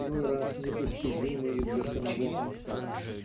иной раз непостижимы и для самого автора.